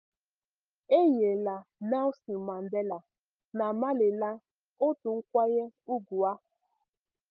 E nyela Nelson Mandela na Malala otu nkwanye ùgwù a.